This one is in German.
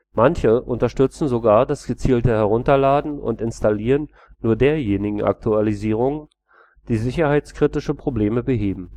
Manche unterstützen sogar das gezielte Herunterladen und Installieren nur derjenigen Aktualisierungen, die sicherheitskritische Probleme beheben